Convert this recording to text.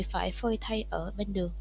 phải phơi thây ở bên đường